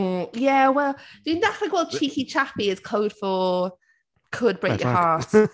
Hmm, ie. Wel, fi’n dechrau gweld cheeky chappy as code for could break your heart.